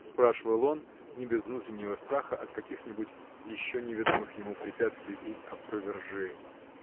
— спрашивал он, не без внутреннего страха от каких-нибудь еще неведомых ему препятствий и опровержений.